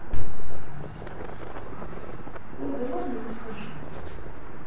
ой да ладно ну скажи